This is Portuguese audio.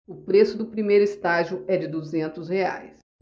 o preço do primeiro estágio é de duzentos reais